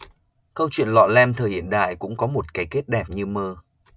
câu chuyện lọ lem thời hiện đại cũng có một cái kết đẹp như mơ